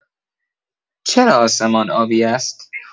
چرا آسمان آبی است؟